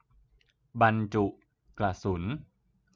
บรรจุกระสุน